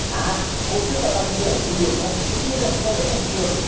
à hôm trước tao đang đi bộ ở trên đường nhớ tự nhiên gặp một con bé cùng trường